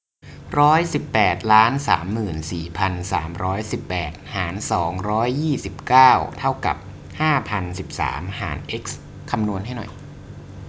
ร้อยสิบแปดล้านสามหมื่นสี่พันสามร้อยสิบแปดหารสองร้อยยี่สิบเก้าเท่ากับห้าพันสิบสามหารเอ็กซ์คำนวณให้หน่อย